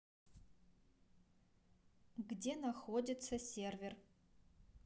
где находится сервер